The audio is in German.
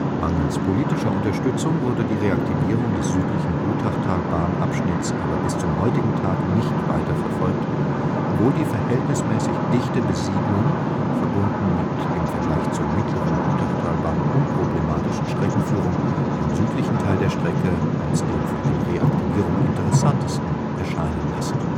Mangels politischer Unterstützung wurde die Reaktivierung des südlichen Wutachtalbahn-Abschnitts aber bis zum heutigen Tag nicht weiterverfolgt, obwohl die verhältnismäßig dichte Besiedlung, verbunden mit im Vergleich zur mittleren Wutachtalbahn unproblematischen Streckenführung, den südlichen Teil der Strecke als den für eine Reaktivierung interessantesten erscheinen lässt